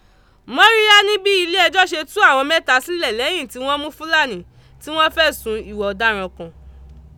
Móríyá ní bí ilé ẹjọ́ ṣe tú àwọn mẹ́tà sílẹ̀ lẹ́yìn tí wọ́n mú Fúlàní tí wọ́n fẹ̀sùn ìwà ọ̀daràn kàn.